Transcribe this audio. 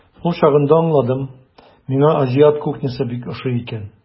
Ул чагында аңладым, миңа азиат кухнясы бик ошый икән.